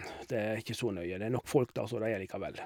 Det er ikke så nøye, det er nok folk der som det er likevel.